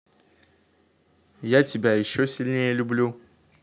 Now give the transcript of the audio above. я тебя еще сильнее люблю